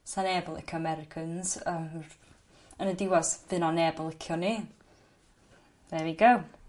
sa neb yn lico'Mericans yy r- yn y diwed s- by' 'na neb yn licio ni. There we go.